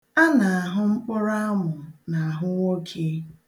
A na-ahụ mkpụrụamụ n'ahụ nwoke.